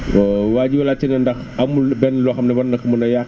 waay ji doon laajte ne ndax amul benn loo xam ne war na ko mën a yàq